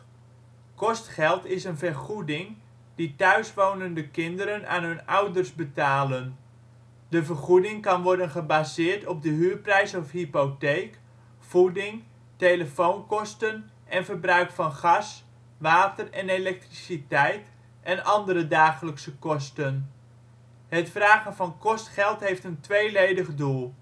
Kostgeld is een vergoeding die thuiswonende kinderen aan hun ouders betalen. De vergoeding kan worden gebaseerd op de huurprijs/hypotheek, voeding, telefoonkosten en verbruik van gas, water en elektriciteit en andere dagelijkse kosten. Het vragen van kostgeld heeft een tweeledig doel